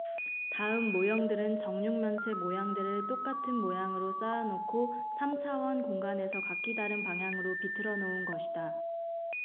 다음 모형들은 정육면체 모형들을 똑같은 모양으로 쌓아놓고 삼 차원 공간에서 각기 다른 방향으로 비틀어 놓은 것이다